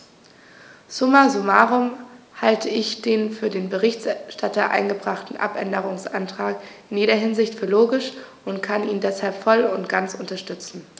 Summa summarum halte ich den von dem Berichterstatter eingebrachten Abänderungsantrag in jeder Hinsicht für logisch und kann ihn deshalb voll und ganz unterstützen.